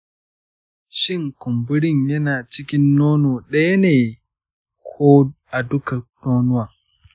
shin kumburin yana cikin nono ɗaya ne ko a duka nonuwan?